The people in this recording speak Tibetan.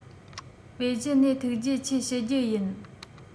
པེ ཅིན ནས ཐུགས རྗེ ཆེ ཞུ རྒྱུ ཡིན